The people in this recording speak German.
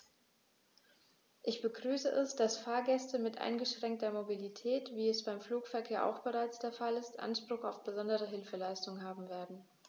Ich begrüße es, dass Fahrgäste mit eingeschränkter Mobilität, wie es beim Flugverkehr auch bereits der Fall ist, Anspruch auf besondere Hilfeleistung haben werden.